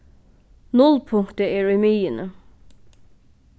nullpunktið er í miðjuni